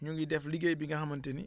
ñu ngi def liggéey bi nga xamante ni